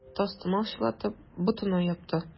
Тастымал чылатып, ботына япты.